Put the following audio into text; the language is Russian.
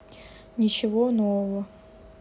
ничего нового